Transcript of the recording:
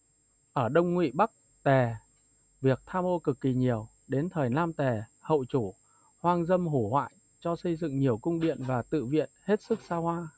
ở đông ngụy bắc tề việc tham ô cực kỳ nhiều đến thời nam tề hậu chủ hoang dâm hủ hoại cho xây dựng nhiều cung điện và tự viện hết sức xa hoa